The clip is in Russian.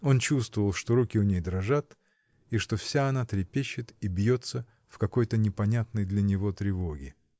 Он чувствовал, что руки у ней дрожат и что вся она трепещет и бьется в какой-то непонятной для него тревоге.